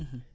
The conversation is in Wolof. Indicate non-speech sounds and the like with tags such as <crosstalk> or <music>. <hesitation> <hesitation>